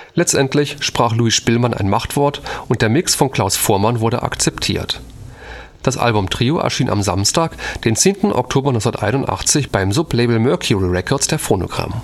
Letztendlich sprach Louis Spillmann ein Machtwort, und der Mix von Klaus Voormann wurde akzeptiert. Das Album Trio erschien am Samstag, den 10. Oktober 1981, beim Sublabel Mercury Records der Phonogram